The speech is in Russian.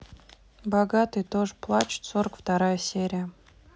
богатые тоже плачут сорок вторая серия